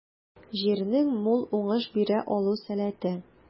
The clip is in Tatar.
Җирнең мул уңыш бирә алу сәләте.